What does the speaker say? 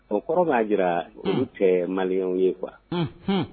O kɔrɔ b'a jira tɛ maliw ye kuwa